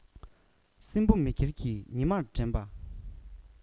སྲིན བུ མེ ཁྱེར གྱིས ཉི མར འགྲན པ དང